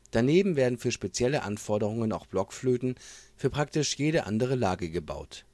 Daneben werden für spezielle Anforderungen auch Blockflöten für praktisch jede andere Lage gebaut